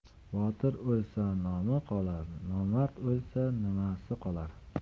botir o'lsa nomi qolar nomard o'lsa nimasi qolar